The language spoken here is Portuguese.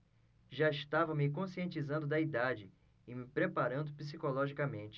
já estava me conscientizando da idade e me preparando psicologicamente